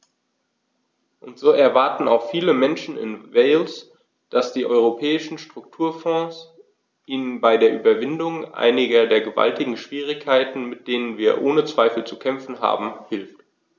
Und so erwarten auch viele Menschen in Wales, dass die Europäischen Strukturfonds ihnen bei der Überwindung einiger der gewaltigen Schwierigkeiten, mit denen wir ohne Zweifel zu kämpfen haben, hilft.